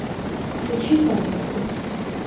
включи порнуху